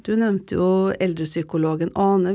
du nevnte jo eldrepsykologen Ane.